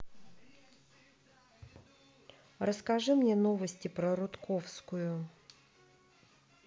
расскажи мне новости про рудковскую